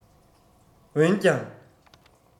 འོན ཀྱང